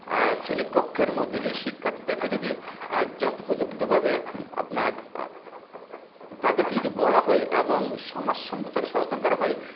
শ্রেণিকক্ষের মধ্যে শিক্ষার্থীদের কে যদি যথোপযুক্তভাবে আপনার তাদেরকে যদি বলা হয় এবং সমাজ সম্পর্কে সচেতন করা হয়